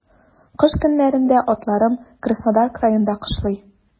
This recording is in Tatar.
Кыш көннәрендә атларым Краснодар краенда кышлый.